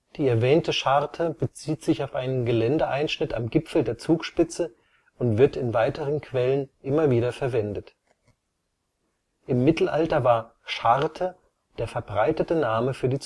erwähnte Scharte bezieht sich auf einen Geländeeinschnitt am Gipfel der Zugspitze und wird in weiteren Quellen immer wieder verwendet. Im Mittelalter war „ Scharte “der verbreitete Name für die